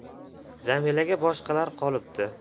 jamilaga boshqalar qolibdi